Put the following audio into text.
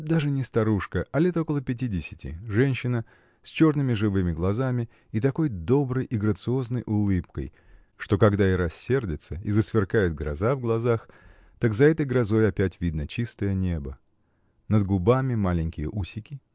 даже не старушка, а лет около пятидесяти женщина, с черными, живыми глазами и такой доброй и грациозной улыбкой, что когда и рассердится и засверкает гроза в глазах, так за этой грозой опять видно чистое небо. Над губами маленькие усики